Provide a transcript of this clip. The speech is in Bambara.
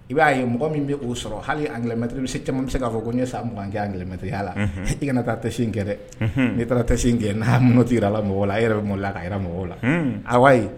I b'a ye mɔgɔ min bɛ k'o sɔrɔ hali anmɛti bɛ se bɛ se k'a fɔ ko ɲɛ sa mugan anlɛtɛya la i kana taa tɛ kɛ dɛ n'i taara tɛ in kɛ n'a mun tigira ala mɔgɔ la a yɛrɛ bɛ mola la ka yɛrɛ mɔgɔw la a wa